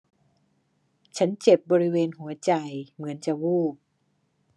ฉันเจ็บบริเวณหัวใจเหมือนจะวูบ